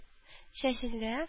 Чәчелде